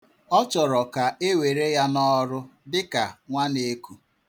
Ọ chọrọ ka e were ya n'ọrụ dị ka nwaneku.